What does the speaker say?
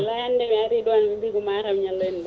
wallay hande mi arino ɗon ɓe mbi ko Matam ñalloynoɗa